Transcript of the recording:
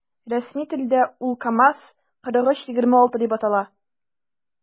Рәсми телдә ул “КамАЗ- 4326” дип атала.